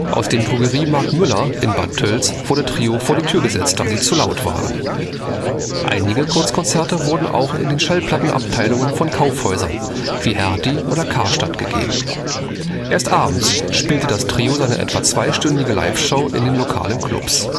Aus dem Drogeriemarkt Müller in Bad Tölz wurde Trio vor die Tür gesetzt, da sie zu laut waren. Einige Kurz-Konzerte wurden auch in den Schallplattenabteilungen von Kaufhäusern wie Hertie oder Karstadt gegeben. Erst abends spielte das Trio seine etwa zweistündige Live-Show in den lokalen Clubs